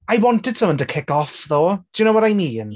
I wanted someone to kick off though, do you know what I mean?